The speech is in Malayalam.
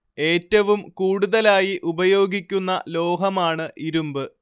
ഏറ്റവും കൂടുതലായി ഉപയോഗിക്കുന്ന ലോഹമാണ് ഇരുമ്പ്